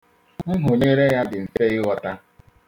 Nhunyere ya dị mfe ịghọta.